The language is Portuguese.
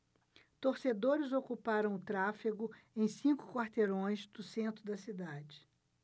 torcedores ocuparam o tráfego em cinco quarteirões do centro da cidade